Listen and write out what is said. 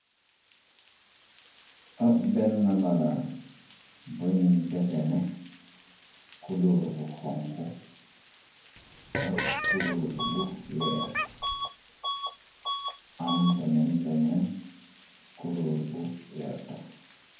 ab benna malaan buñu desene kulóor bu xongu ak kulóor bu weex am tamen beneen kulóor bu weerta